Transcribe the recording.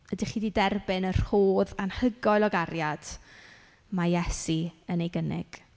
Ydych chi 'di derbyn y rhodd anhygoel o gariad mae Iesu yn ei gynnig?